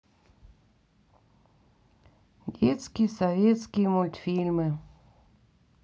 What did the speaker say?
детские советские мультфильмы